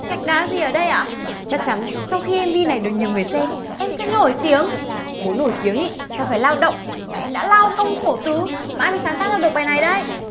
gạch đá gì ở đây ạ chắc chắn sau khi em vi này được nhiều người xem em sẽ nổi tiếng muốn nổi tiếng ý là phải lao động mà em đã lao công khổ tứ mãi mới sáng tác ra được bài này đấy